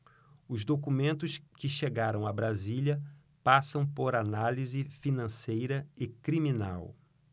os documentos que chegaram a brasília passam por análise financeira e criminal